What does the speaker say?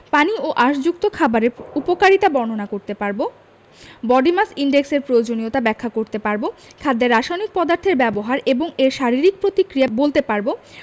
পানি ও আশযুক্ত খাবারের উপকারিতা বর্ণনা করতে পারব বডি মাস ইনডেক্স এর প্রয়োজনীয়তা ব্যাখ্যা করতে পারব খাদ্যে রাসায়নিক পদার্থের ব্যবহার এবং এর শারীরিক প্রতিক্রিয়া বলতে পারব